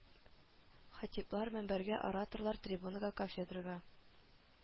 Хатиблар мөнбәргә ораторлар трибунага, кафедрага